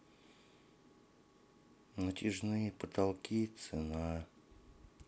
натяжные потолки цена